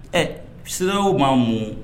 Ɛ siraw b' mun